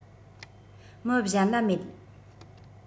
མི གཞན ལ མེད